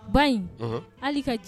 Ba in, unhun, hali ka ji